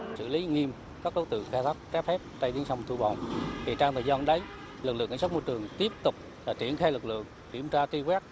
xử lý nghiêm các đối tượng khai thác trái phép trên tuyến sông thu bồn thì trong thời gian đến lực lượng cảnh sát môi trường tiếp tục đã triển khai lực lượng kiểm tra truy quét